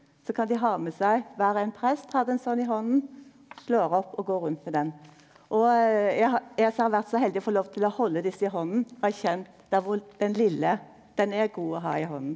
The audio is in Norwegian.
så kan dei ha med seg kvar ein prest hadde ein sånn i handa slår opp og går rundt med den og eg har eg har så vore så heldig å få lov til å halde desse i handa og kjent der den litle den er god å ha i handa.